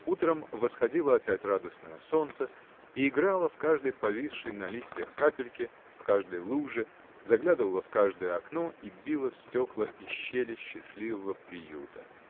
Утром восходило опять радостное солнце и играло в каждой повисшей на листьях капельке, в каждой луже, заглядывало в каждое окно и било в стекла и щели счастливого приюта.